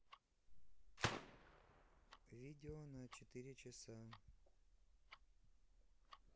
видео на четыре часа